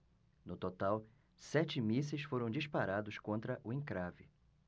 no total sete mísseis foram disparados contra o encrave